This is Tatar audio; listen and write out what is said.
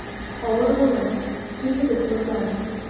Авыр булыр, түзегез, кызлар.